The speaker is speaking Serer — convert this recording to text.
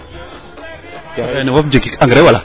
coxel keene fop jikik engrais wala